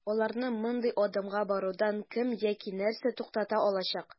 Аларны мондый адымга барудан кем яки нәрсә туктата алачак?